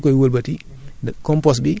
day daa di nekk quarante cinq jours